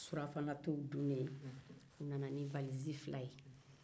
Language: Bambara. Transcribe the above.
surafana dto dunnen u nara i